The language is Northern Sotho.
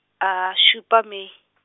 šupa Mei .